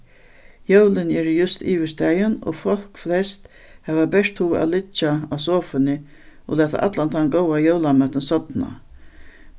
jólini eru júst yvirstaðin og fólk flest hava bert hug at liggja á sofuni og lata allan tann góða jólamatin sodna